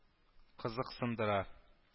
Кызыксындыра